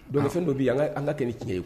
Donfɛn dɔ b bɛ an an la ka kɛ ni tiɲɛ ye